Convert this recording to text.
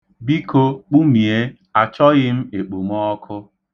Biko, kpumie! Achọghị m ekpomọọkụ.